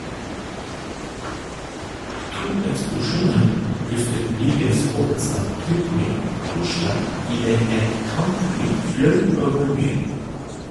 To eksplosjoner rystet Libyas hovedstad Tripoli torsdag idet et kampfly fløy over byen.